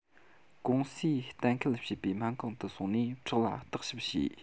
ཀུང ཟིས གཏན འཁེལ བྱས པའི སྨན ཁང དུ སོང ནས ཁྲག ལ བརྟག ཞིབ བྱས